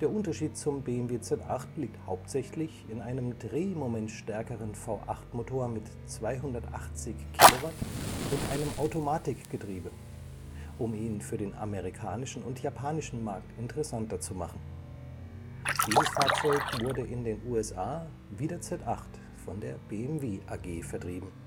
Der Unterschied zum BMW Z8 liegt hauptsächlich in einem drehmomentstärkeren V8-Motor mit 280 kW (381 PS) und einem Automatikgetriebe, um ihn für den amerikanischen und japanischen Markt interessanter zu machen. Dieses Fahrzeug wurde in den USA wie der Z8 von der BMW AG vertrieben